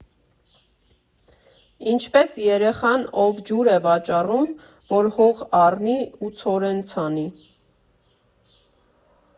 Ինչպես երեխան, ով ջուր է վաճառում, որ հող առնի ու ցորեն ցանի։